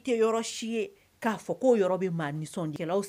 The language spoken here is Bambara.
N tɛ yɔrɔ si ye k'a fɔ ko yɔrɔ bɛ maa nisɔnkɛlaw